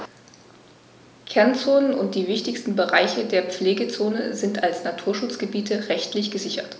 Kernzonen und die wichtigsten Bereiche der Pflegezone sind als Naturschutzgebiete rechtlich gesichert.